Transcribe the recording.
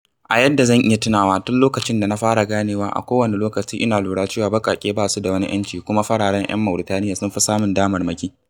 A yadda zan iya tunawa, tun lokacin da na fara ganewa, a kowane lokaci ina lura cewa baƙaƙe ba su da wani 'yanci, kuma fararen 'yan Mauritaniya sun fi samun damarmaki.